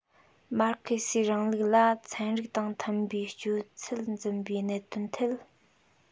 མར ཁེ སིའི རིང ལུགས ལ ཚན རིག དང མཐུན པའི སྤྱོད ཚུལ འཛིན པའི གནད དོན ཐད